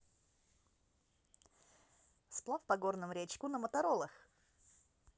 сплав по горным речку на моторолах